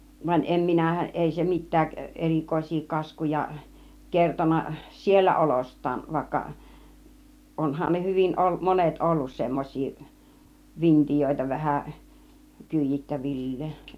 vaan en minä ei se mitään erikoisia kaskuja kertonut siellä olostaan vaikka onhan ne hyvin - monet ollut semmoisia vintiöitä vähän kyydittävilleen